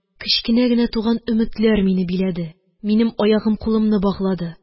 Кечкенә генә туган өметләр мине биләде, минем аягым-кулымны баглады